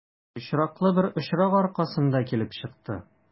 Очраклы бер очрак аркасында килеп чыкты.